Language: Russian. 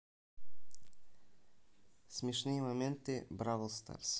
смешные моменты бравл старс